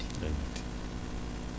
day métti